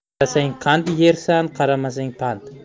qarasang qand yersan qaramasang pand yersan